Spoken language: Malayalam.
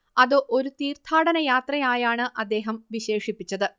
അത് ഒരു തീർത്ഥാടനയാത്രയായാണ് അദ്ദേഹം വിശേഷിപ്പിച്ചത്